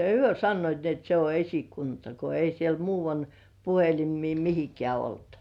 he sanoivat niin että se on esikunta kun ei siellä - puhelimia mihinkään ollut